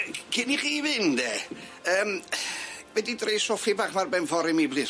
Cyn i chi fynd de, yym fedri dreu Soffi bach ma' ar ben ffor i mi plîs?